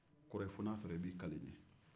a kɔrɔ ye fo ni a y'a sɔrɔ i b'i kali n' ye